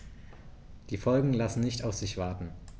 Die Folgen lassen nicht auf sich warten.